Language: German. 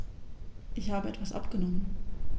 Ich habe etwas abgenommen.